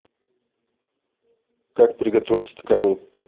как приготовить танки